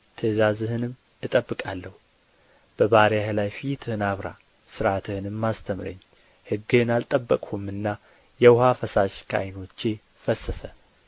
ትእዛዝህንም እጠብቃለሁ በባሪያህ ላይ ፊትህን አብራ ሥርዓትህንም አሰተምረኝ ሕግህን አልጠበቅሁምና የውኃ ፈሳሽ ከዓይኖቼ ፈሰሰ